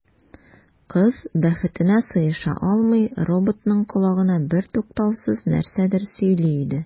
Кыз, бәхетенә сыеша алмый, роботның колагына бертуктаусыз нәрсәдер сөйли иде.